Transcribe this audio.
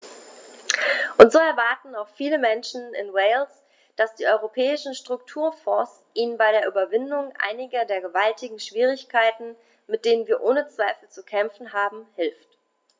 Und so erwarten auch viele Menschen in Wales, dass die Europäischen Strukturfonds ihnen bei der Überwindung einiger der gewaltigen Schwierigkeiten, mit denen wir ohne Zweifel zu kämpfen haben, hilft.